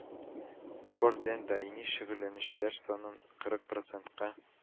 Спорт белән даими шөгыльләнүчеләр санын кырык процентка